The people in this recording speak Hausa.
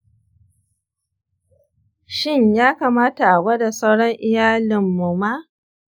shin yakamata a gwada sauran iyalinmu ma?